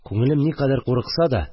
Күңелем никадәр курыкса да